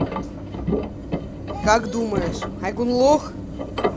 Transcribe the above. как думаешь aygun лох